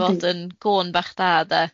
gŵn bach da 'de.